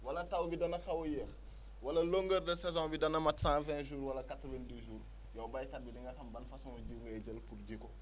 wala taw bi dana xaw a yéex wala longueur de saison bi dana mat cent vingt jours wala quatre vingt dix jours yow béykat bi di nga xam ban façon jiw ngay jël pour ji ko